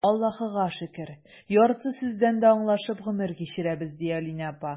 Аллаһыга шөкер, ярты сүздән аңлашып гомер кичерәбез,— ди Алинә апа.